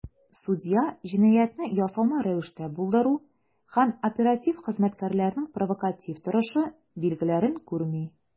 Судья "җинаятьне ясалма рәвештә булдыру" һәм "оператив хезмәткәрләрнең провокатив торышы" билгеләрен күрми.